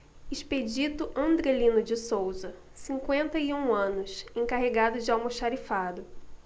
expedito andrelino de souza cinquenta e um anos encarregado de almoxarifado